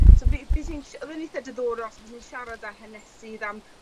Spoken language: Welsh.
so bu- bues i'n... Odd o'n itha diddorol so o'n i 'di siarad â hanesydd am